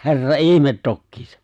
herra ihme tokiinsa